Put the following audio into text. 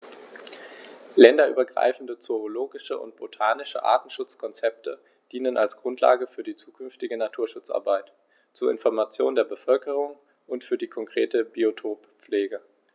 Länderübergreifende zoologische und botanische Artenschutzkonzepte dienen als Grundlage für die zukünftige Naturschutzarbeit, zur Information der Bevölkerung und für die konkrete Biotoppflege.